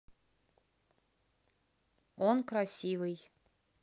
он красивый